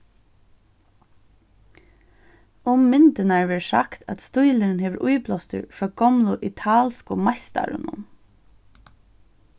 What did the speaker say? um myndirnar verður sagt at stílurin hevur íblástur frá gomlu italsku meistarunum